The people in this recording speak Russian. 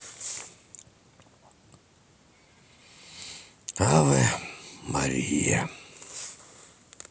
аве мария